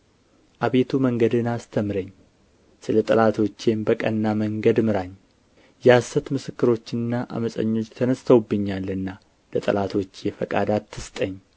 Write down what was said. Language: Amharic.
አቤቱ መንገድህን አስተምረኝ ስለ ጠላቶቼም በቀና መንገድ ምራኝ የሐሰት ምስክሮችና ዓመፀኞች ተነሥተውብኛልና ለጠላቶቼ ፈቃድ አትስጠኝ